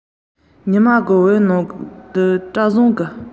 ཉི འོད གསལ ལྷང ལྷང འཕྲོ བ དང